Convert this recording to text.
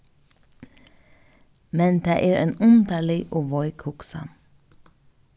men tað er ein undarlig og veik hugsan